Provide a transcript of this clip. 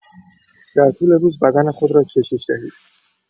در طول روز بدن خود را کشش دهید.